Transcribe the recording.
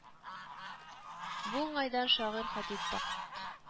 Бу уңайдан шагыйрь Һади Такт